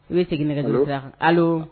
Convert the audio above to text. I bɛ segin nɛgɛ siran hali